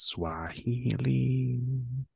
Swahili?